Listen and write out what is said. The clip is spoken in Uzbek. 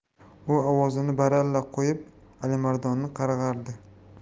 u ovozini baralla qo'yib alimardonni qarg'ardi